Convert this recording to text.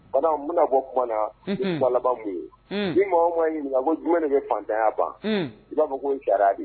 Bana bɛna bɔ tumaumana na bala ye bi ma ɲini ko jumɛn de bɛ fatanya ban i b'a fɔ ko jara